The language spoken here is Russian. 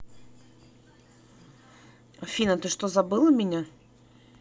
афина ты что забыла меня